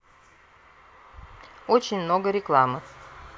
очень много рекламы